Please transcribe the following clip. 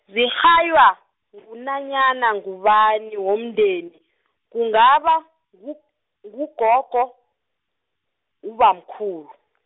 zirhaywa, ngunanyana ngubani womndeni, kungaba ngu ngugogo, ubamkhulu.